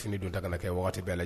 Fini don ta ka kɛ waati bɛɛ la